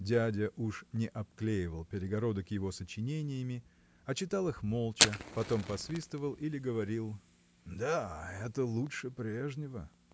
Дядя уж не обклеивал перегородок его сочинениями а читал их молча потом посвистывал или говорил Да! это лучше прежнего.